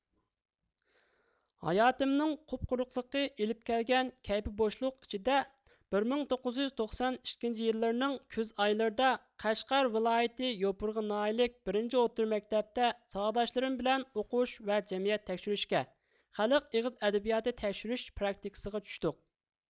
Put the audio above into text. ھاياتىمنىڭ قۇپقۇرۇقلۇقى ئېلىپ كەلگەن كەيپى بوشلۇق ئىچىدە بىرمىڭ توققۇزيۇز توقسان ئىككىنچى يىللىرىنىڭ كۈز ئايلىرىدا قەشقەر ۋىلايىتى يوپۇرغا ناھىيىلىك بىرىنچى ئوتتۇرا مەكتەپتە ساۋاقداشلىرىم بىلەن ئوقۇش ۋە جەمئىيەت تەكشۈرۈشكە خەلق ئېغىز ئەدەبىياتى تەكشۈرۈش پراكتىكىسىغا چۈشتۇق